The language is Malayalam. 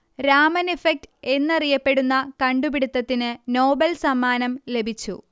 രാമൻ ഇഫക്ട് എന്നറിയപ്പെടുന്ന കണ്ടുപിടിത്തത്തിന് നോബൽ സമ്മാനം ലഭിച്ചു